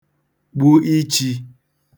gbu ichī